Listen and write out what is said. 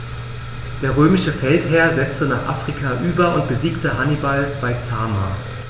Der römische Feldherr setzte nach Afrika über und besiegte Hannibal bei Zama.